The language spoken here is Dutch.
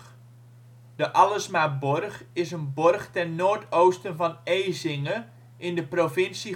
Allersmaborg is een borg ten noord-oosten van Ezinge in de provincie